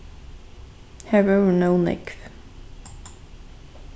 har vóru nóg nógv